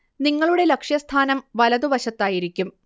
നിങ്ങളുടെ ലക്ഷ്യസ്ഥാനം വലതുവശത്തായിരിക്കും